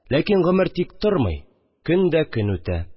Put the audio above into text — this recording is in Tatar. Ләкин гомер тик тормый, көн дә көн үтә